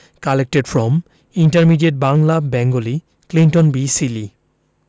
collected from intermediate Bangla Bengali Clinton B Seely